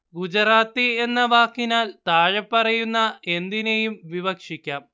ഗുജറാത്തി എന്ന വാക്കിനാല്‍ താഴെപ്പറയുന്ന എന്തിനേയും വിവക്ഷിക്കാം